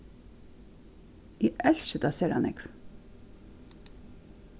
eg elski tað sera nógv